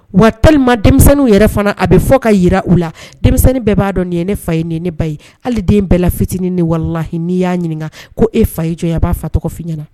Wa talilima denmisɛnninw yɛrɛ fana a bɛ fɔ ka yi u la denmisɛnnin bɛɛ b'a dɔn nin ye ne fa ye ni ne ba ye ale den bɛɛ la fitinin ni wali n'i y'a ɲininka ko e fa ye jɔ a b'a fɔ tɔgɔfin ɲɛna